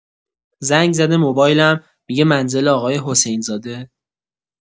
زنگ‌زده موبایلم می‌گه منزل آقای حسین زاده؟